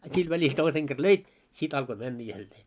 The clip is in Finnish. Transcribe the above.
a sillä välillä toisen kerran löit sitten alkoi mennä jälleen